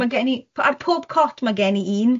Ma' gen i p-... Ar pob cot ma' gen i un.